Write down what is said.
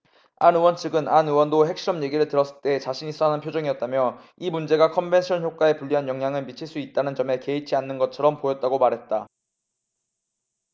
안 의원 측은 안 의원도 핵실험 얘기를 들었을 때 자신있어 하는 표정이었다며 이 문제가 컨벤션효과에 불리한 영향을 미칠 수 있다는 점에 개의치 않는 것처럼 보였다고 말했다